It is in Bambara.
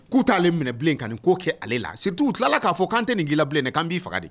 K'u taa'ale minɛ bilen ka nin ko kɛ ale la se ttuu tilala k'a fɔ'an tɛ nin k'i bila bilen nin k'an'i faga de